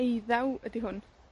Eiddaw ydi hwn.